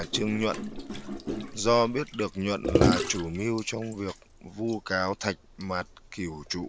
trương nhuận do biết được nhuận là chủ mưu trong việc vu cáo thạch mạt cửu trụ